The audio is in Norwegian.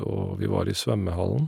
Og vi var i svømmehallen.